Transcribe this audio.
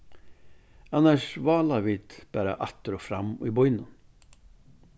annars vála vit bara aftur og fram í býnum